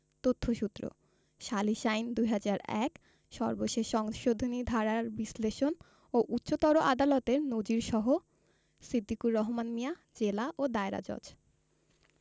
তথ্যসূত্র সালিস আইন ২০০১ সর্বশেষ সংশোধনী ধারার বিশ্লেষণ ও উচ্চতর আদালতের নজীর সহ ছিদ্দিকুর রহমান মিয়া জেলা ও দায়রা জজ